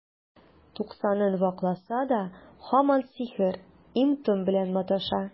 Туксанын вакласа да, һаман сихер, им-том белән маташа.